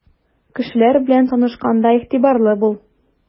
Кешеләр белән танышканда игътибарлы бул.